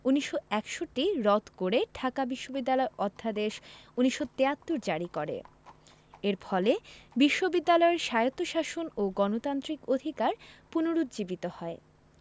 ১৯৬১ রদ করে ঢাকা বিশ্ববিদ্যালয় অধ্যাদেশ ১৯৭৩ জারি করে এর ফলে বিশ্ববিদ্যালয়ের স্বায়ত্তশাসন ও গণতান্ত্রিক অধিকার পুনরুজ্জীবিত হয়